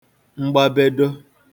mgbabedo